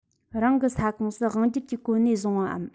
རང གི ས ཁོངས སུ དབང སྒྱུར གྱི གོ གནས བཟུང བའམ